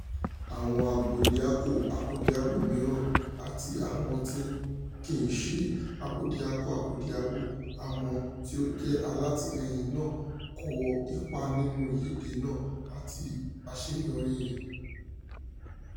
Àwọn Abódiakọ-akọ́diabo mìíràn àti àwọn tí kì í ṣe Abódiakọ-akọ́diabo àmọ́ tí ó jẹ́ alátìlẹ́yìn náà kó ipa nínú ìyíde náà àti àṣeyọríi rẹ̀.